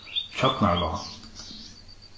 tjarnarlág